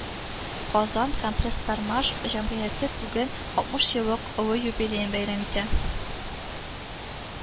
Казан компрессормаш җәмгыяте бүген алтмыш еллык олы юбилеен бәйрәм итә